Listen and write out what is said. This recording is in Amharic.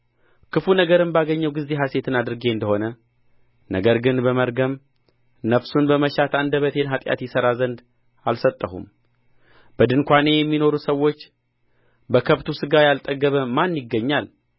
ክፉ ነገርም ባገኘው ጊዜ ሐሤት አድርጌ እንደ ሆነ ነገር ግን በመርገም ነፍሱን በመሻት አንደበቴን ኃጢአት ይሠራ ዘንድ አልሰጠሁም በድንኳኔ የሚኖሩ ሰዎች በከብቱ ሥጋ ያልጠገበ ማን ይገኛል